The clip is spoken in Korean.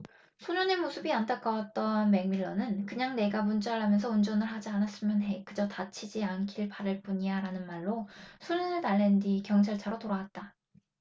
소년의 모습이 안타까웠던 맥밀런은 그냥 네가 문자를 하면서 운전을 하지 않았으면 해 그저 다치지 않길 바랄 뿐이야라는 말로 소년을 달랜 뒤 경찰차로 돌아왔다